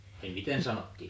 ai miten sanottiin